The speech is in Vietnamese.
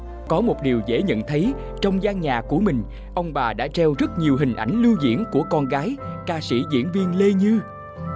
có một điều dễ nhận thấy trong gian nhà của mình ông bà đã treo rất nhiều hình ảnh lưu diễn của con gái ca sĩ diễn viên lê như